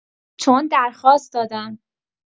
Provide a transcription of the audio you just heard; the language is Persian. چون درخواست دادن